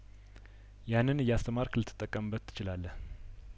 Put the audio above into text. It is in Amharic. ያንን እያስ ተማርክል ትጠቀምበት ትችላለህ